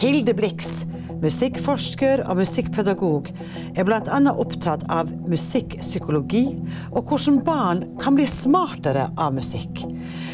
Hilde Blix, musikkforskar og musikkpedagog, er bl.a. opptatt av musikkpsykologi og korleis barn kan bli smartare av musikk.